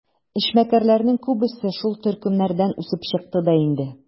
Эшмәкәрләрнең күбесе шул төркемнәрдән үсеп чыкты да инде.